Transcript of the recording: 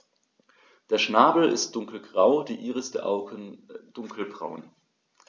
Der Schnabel ist dunkelgrau, die Iris der Augen dunkelbraun.